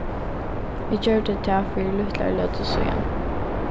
eg gjørdi tað fyri lítlari løtu síðan